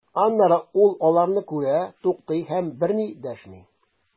Аннары ул аларны күрә, туктый һәм берни дәшми.